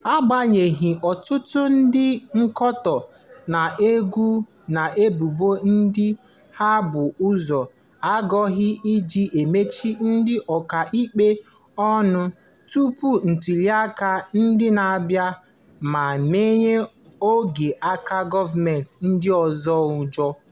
Agbanyeghị, ọtụtụ ndị nkatọ na-ekwu na ebubo ndị a bụ ụzọ aghụghọ iji mechie ndị ọka ikpe ọnụ tupu ntụliaka ndị na-abịa ma menye ogwe aka gọọmentị ndị ọzọ ụjọ.